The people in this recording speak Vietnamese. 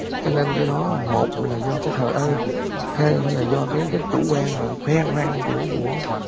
cho nên cái đó một là do cái thờ ơ hai nữa là do cái cái chủ quan và khoe khoang của